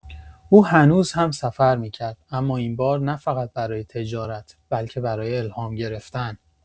او هنوز هم‌سفر می‌کرد، اما این بار، نه‌فقط برای تجارت بلکه برای الهام گرفتن.